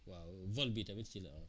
waaw vol bi tamit ci la am